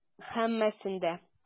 Һәммәсен дә.